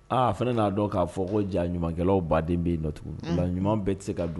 Aaa fana n'a dɔn k'a fɔ ko ja ɲuman kɛlɛw baa den bɛ yen nɔ tugun unhun ola ɲuman bɛ tɛ se ka do